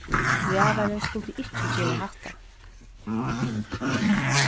gravarin skuldi ikki gera hatta